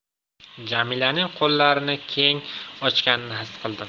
jamilaning qo'llarini keng ochganini xis qildim